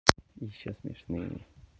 еще смешные